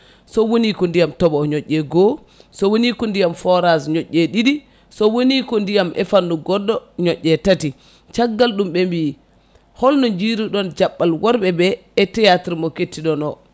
so woni ko ndiyam tooɓo ñoƴƴe goho so woni ko ndiyam forage ñoƴƴe ɗiɗi so woni ko ndiyam e fannu goɗɗo ñoƴƴe tati caggal ɗum ɓe mbi holno jiruɗon jaɓɓal worɓeɓe e théâtre mo kettiɗon o